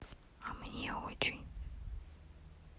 а мне очень